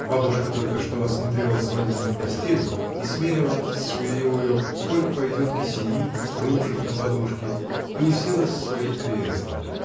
Бабушка только что осмотрела свадебную постель и смеряла с швеею, сколько пойдет кисеи, кружев на подушки, и уселась в свои кресла.